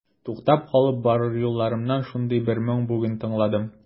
Туктап калып барыр юлларымнан шундый бер моң бүген тыңладым.